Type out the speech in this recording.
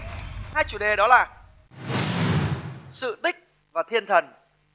hai chủ đề đó là sự tích và thiên thần